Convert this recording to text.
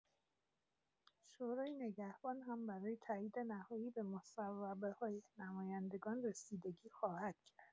شورای نگهبان هم‌برای تایید نهایی به مصوبه‌های نمایندگان رسیدگی خواهد کرد.